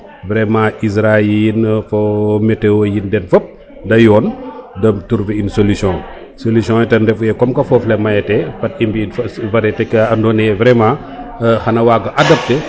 vraiment ISRA yin fo meteo wo yiinden fop de yoon des trouver une solution solution ne ten refu ye comme que foof le mayate fat i mbi in variter ka ando naye vraiment xana wago adapter